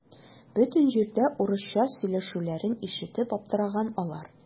Бөтен җирдә урысча сөйләшүләрен ишетеп аптыраган алар.